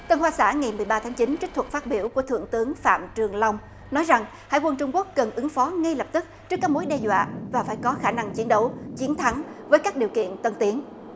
tân hoa xã ngày mười ba tháng chín trích thuật phát biểu của thượng tướng phạm trường long nói rằng hải quân trung quốc cần ứng phó ngay lập tức trước các mối đe dọa và phải có khả năng chiến đấu chiến thắng với các điều kiện tân tiến